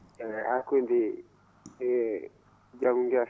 hakkunde jom gesa